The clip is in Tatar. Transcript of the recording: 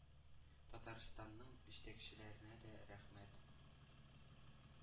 Татарстанның җитәкчеләренә рәхмәт.